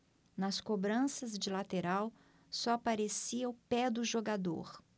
nas cobranças de lateral só aparecia o pé do jogador